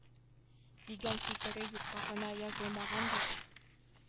Дигән фикере юкка гына язылмаган бит